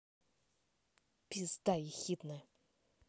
пизда ехидная